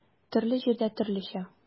Төрле җирдә төрлечә.